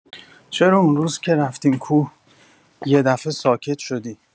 چرا اون روز که رفتیم کوه، یه دفعه ساکت شدی؟